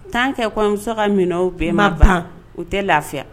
T'an kɛ kɔmuso ka minɛ u bɛnba ban u tɛ lafi